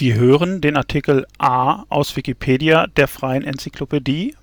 hören den Artikel A, aus Wikipedia, der freien Enzyklopädie